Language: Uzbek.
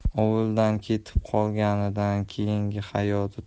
ovuldan ketib qolganidan keyingi hayoti